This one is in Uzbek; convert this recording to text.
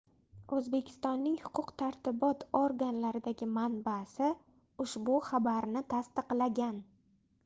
o'zbekistonning huquq tartibot organlaridagi manbasi ushbu xabarni tasdiqlagan